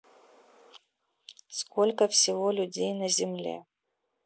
сколько всего людей на земле